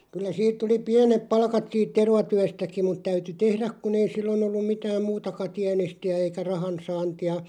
kyllä siitä tuli pienet palkat siitä tervatyöstäkin mutta täytyi tehdä kun ei silloin ollut mitään muutakaan tienestiä eikä rahansaantia